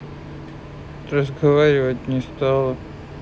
разговаривать не стало